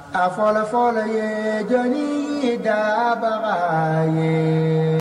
A fɔlɔ fɔlɔ ye jɔnnin ye da bara ye